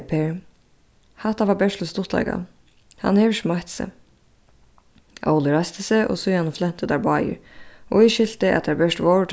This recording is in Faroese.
per hatta var bert til stuttleika hann hevur ikki meitt seg óli reisti seg og síðani flentu teir báðir og eg skilti at teir bert vóru